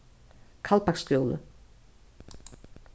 kaldbaks skúli